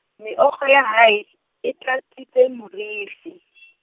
meokgo ya hae, e tlatsitse morifi .